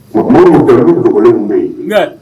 Bon Modibo bɛ aya u dogolen tun bɛ yen.